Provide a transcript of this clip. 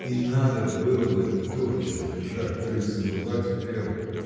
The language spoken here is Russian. И надо было бы тотчас бежать, то есть забывать Веру.